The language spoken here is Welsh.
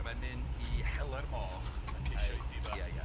a mae'n mynd i hela'r moch... A ceisio... ...a'i... ei difa. Ia ia.